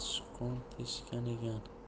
sichqon teshgan ekan